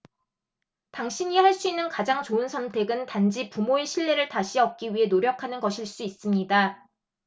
당신이 할 수 있는 가장 좋은 선택은 단지 부모의 신뢰를 다시 얻기 위해 노력하는 것일 수 있습니다